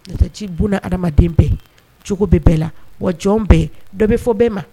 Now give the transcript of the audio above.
N'o tɛ ci buna hadamaden bɛɛ, cogo bɛ bɛɛ la wa jɔn bɛɛ, dɔ bɛ fɔ bɛɛ ma